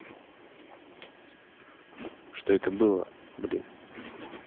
че это было блин